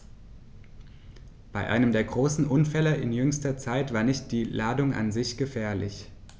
Bei einem der großen Unfälle in jüngster Zeit war nicht die Ladung an sich gefährlich.